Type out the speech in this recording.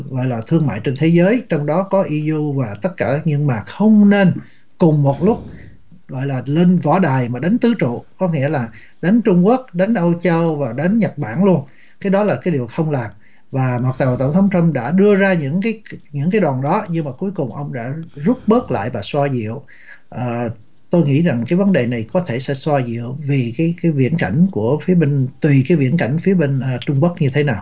và là thương mại trên thế giới trong đó có i u và tất cả những bạc không nên cùng một lúc gọi là lên võ đài mà đánh tứ trụ có nghĩa là đến trung quốc đến âu châu và đến nhật bản lo cái đó là điều không làm và ngọt ngào tổng thống troăm đã đưa ra những cái những cái đoạn đó nhưng mà cuối cùng ông đã rút bớt lại và xoa dịu à tôi nghĩ rằng cái vấn đề này có thể xoa xoa dịu vì khi cái viễn cảnh của phía bình tùy cái viễn cảnh phía bên trung quốc như thế nào